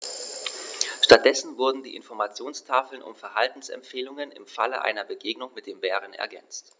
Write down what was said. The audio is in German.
Stattdessen wurden die Informationstafeln um Verhaltensempfehlungen im Falle einer Begegnung mit dem Bären ergänzt.